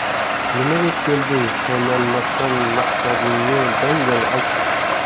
nimaga kelding chaynalmasdan maqsadingni dangal ayt